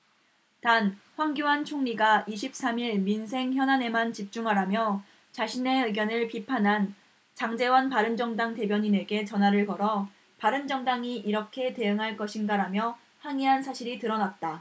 단 황교안 총리가 이십 삼 일 민생 현안에만 집중하라며 자신의 회견을 비판한 장제원 바른정당 대변인에게 전화를 걸어 바른정당이 이렇게 대응할 것인가라며 항의한 사실이 드러났다